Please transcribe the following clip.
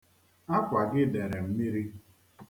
Akwa gị dere mmiri.